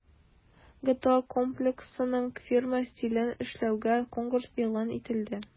ГТО Комплексының фирма стилен эшләүгә конкурс игълан ителде.